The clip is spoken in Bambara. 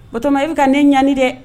O tuma i bɛ bɛka ka den ɲali dɛ